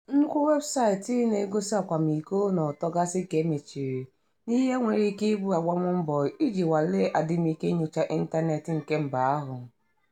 Nnukwu weebụsaitị na-egosi akwamiko na ọtọ gasị ka e mechiri, n'ihe nwere ike ịbụ agbamụmbọ iji nwalee adimike nnyocha ịntanetị nke mba ahụ.